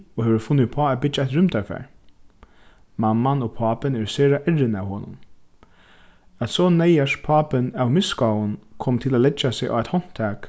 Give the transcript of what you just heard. og hevur funnið upp á at byggja eitt rúmdarfar mamman og pápin eru sera errin av honum at so neyðars pápin av misgáum kom til at leggja seg á eitt handtak